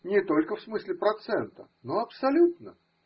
Не только в смысле процента, но абсолютно.